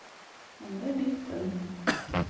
Монда бик тын.